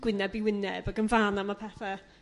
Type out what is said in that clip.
gwyneb i wyneb ac yn fân am y pethe